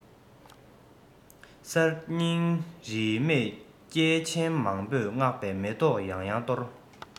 གསར རྙིང རིས མེད སྐྱེས ཆེན མང པོས བསྔགས པའི མེ ཏོག ཡང ཡང གཏོར